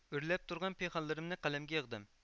ئۆرلەپ تۇرغان پىخانلىرىمنى قەلەمگە يىغدىم